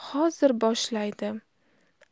hozir boshlaydi